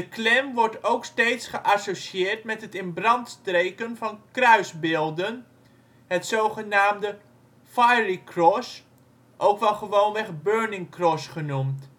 Klan wordt ook steeds geassocieerd met het in brand steken van kruisbeelden, het zogenaamde Fiery Cross (ook wel gewoonweg Burning Cross genoemd